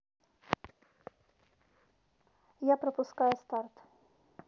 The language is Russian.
я пропускаю старт